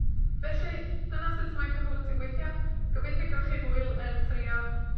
Felly, dyna sut mae Cahoot yn gweithio. Gobeithio gewch chi hwyl yn trio ac